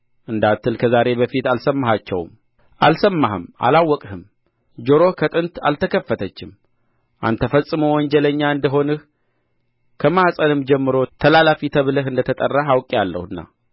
እንዳትል ከዛሬ በፊት አልሰማሃቸውም አልሰማህም አላወቅህም ጆሮህ ከጥንት አልተከፈተችም አንተ ፈጽሞ ወንጀለኛ እንደ ሆንህ ከማኅፀንም ጀምረህ ተላላፊ ተብለህ እንደተጠራህ አውቄአለሁና